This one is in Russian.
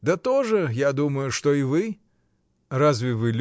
— Да то же, я думаю, что и вы. — Разве вы.